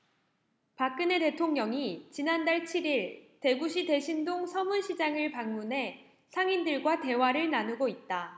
박근혜 대통령이 지난달 칠 일 대구시 대신동 서문시장을 방문해 상인들과 대화를 나누고 있다